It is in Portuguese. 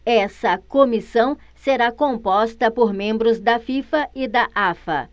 essa comissão será composta por membros da fifa e da afa